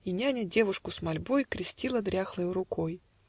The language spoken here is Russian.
- И няня девушку с мольбой Крестила дряхлою рукой.